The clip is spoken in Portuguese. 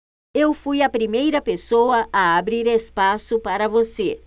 eu fui a primeira pessoa a abrir espaço para você